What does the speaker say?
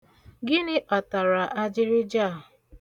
Gịnị kpatara ajịrịja a?